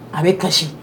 A bɛ kasi